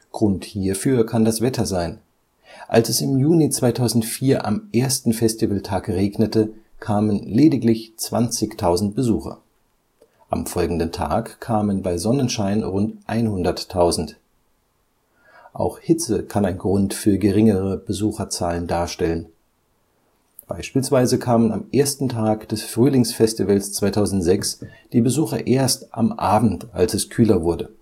Grund hierfür kann das Wetter sein: Als es im Juni 2004 am ersten Festivaltag regnete, kamen lediglich 20.000 Besucher. Am folgenden Tag kamen bei Sonnenschein rund 100.000. Auch Hitze kann ein Grund für geringere Besucherzahlen darstellen. Beispielsweise kamen am ersten Tag des Frühlingsfestivals 2006 die Besucher erst am Abend, als es kühler wurde